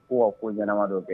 Ko' ko ɲɛnamadɔ kɛ